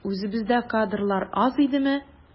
Үзебездә кадрлар аз идемени?